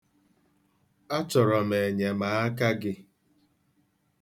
Achọrọ m enyemaka gị.